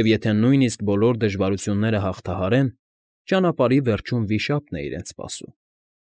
և, եթե նույնիսկ բոլոր դժվարությունները հաղթահարեն, ճանապարհի վերջում վիշապն է իրենց սպասում։